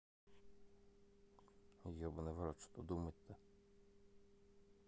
ебаный в рот что думать то